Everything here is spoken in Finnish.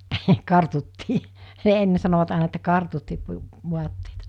heh kartuttiin ennen sanoivat aina että kartuttiin vaatteita